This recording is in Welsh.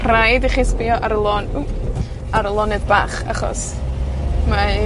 Rhaid i chi sbïo ar y lon- ww, ar y lonydd bach, achos, mae,